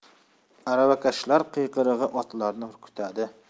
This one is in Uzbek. aravakashlar qiyqirig'i otlarni xurkitardi